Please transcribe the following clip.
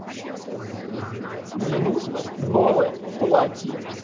мне нужно новое платье